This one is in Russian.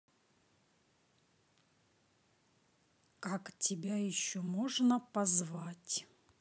как тебя еще можно позвать